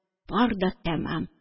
Бар да тәмам